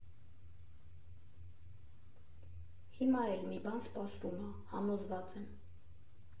Հիմա էլ մի բան սպասվում ա, համոզված եմ։